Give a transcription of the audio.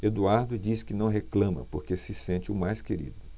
eduardo diz que não reclama porque se sente o mais querido